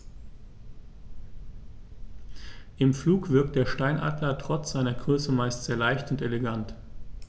Im Flug wirkt der Steinadler trotz seiner Größe meist sehr leicht und elegant.